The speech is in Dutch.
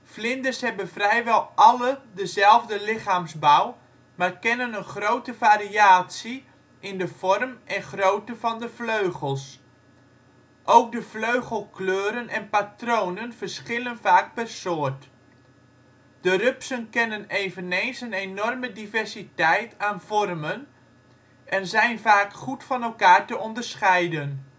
Vlinders hebben vrijwel alle dezelfde lichaamsbouw maar kennen een grote variatie in de vorm en grootte van de vleugels, ook de vleugelkleuren en - patronen verschillen vaak per soort. De rupsen kennen eveneens een enorme diversiteit aan vormen en zijn vaak goed van elkaar te onderscheiden